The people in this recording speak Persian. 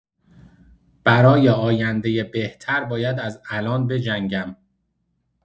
برای آینده بهتر باید از الان بجنگم